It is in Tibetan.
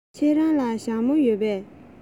ཁྱེད རང ལ ཞྭ མོ ཡོད པས